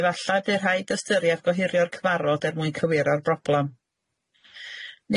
Efallai y by' rhaid ystyried gohirio'r cyfarfod er mwyn cywiro'r broblam.